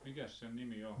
mikäs sen nimi on